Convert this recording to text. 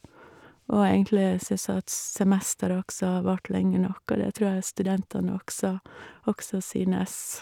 Og egentlig syns jeg at s semesteret også har vart lenge nok, og det tror jeg studentene også også synes.